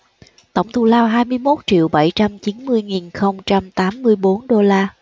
tổng thù lao hai mươi mốt triệu bảy trăm chín mươi nghìn không trăm tám mươi bốn đô la